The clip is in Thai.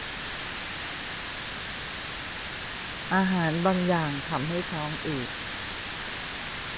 อาหารบางอย่างทำให้ท้องอืด